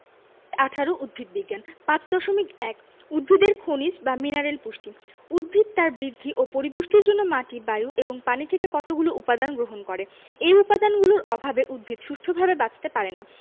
১৮ উদ্ভিদ বিজ্ঞান ৫.১ উদ্ভিদের খনিজ বা মিনারেল পুষ্টি উদ্ভিদ তার বৃদ্ধি ও পরিপুষ্টির জন্য মাটি বায়ু এবং পানি থেকে কতগুলো উপদান গ্রহণ করে এ উপাদানগুলোর অভাবে উদ্ভিদ সুষ্ঠুভাবে বাঁচতে পারে না